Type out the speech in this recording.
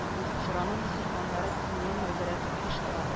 Чараны мөселманнары диния нәзарәте оештыра